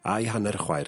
a'i hanner chwaer...